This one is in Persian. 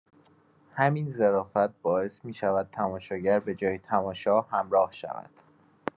همین ظرافت باعث می‌شود تماشاگر به‌جای تماشا، همراه شود.